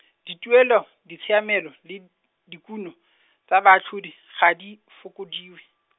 dituelo, ditshiamelo, le d- dikuno, tsa baatlhodi, ga di, fokodiwe.